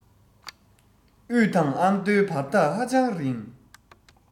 དབུས དང ཨ མདོའི བར ཐག ཧ ཅང རིང